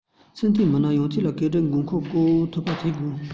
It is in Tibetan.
ཕྱིར འཐེན མི སྣ ཡོད ཚད ལ བཀོད སྒྲིག དགོས མཁོ སྐོང ཐུབ པ བྱེད དགོས